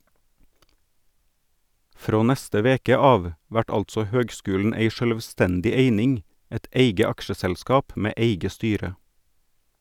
Frå neste veke av vert altså høgskulen ei sjølvstendig eining , eit eige aksjeselskap med eige styre.